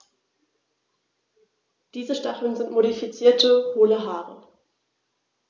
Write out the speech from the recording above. Diese Stacheln sind modifizierte, hohle Haare.